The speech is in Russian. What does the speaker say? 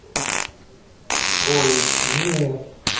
ой нет